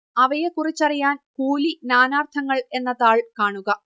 അവയെക്കുറിച്ചറിയാൻ കൂലി നാനാർത്ഥങ്ങൾ എന്ന താൾ കാണുക